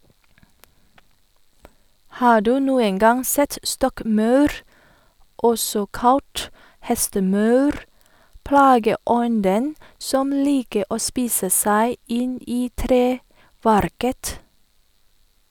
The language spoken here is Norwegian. Har du noen gang sett stokkmaur, også kalt hestemaur, plageånden som liker å spise seg inn i treverket?